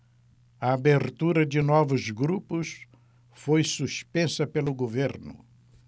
a abertura de novos grupos foi suspensa pelo governo